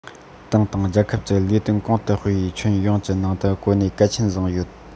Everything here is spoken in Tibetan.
ཏང དང རྒྱལ ཁབ ཀྱི ལས དོན གོང དུ སྤེལ བའི ཁྱོན ཡོངས ཀྱི ནང དུ གོ གནས གལ ཆེན བཟུང ཡོད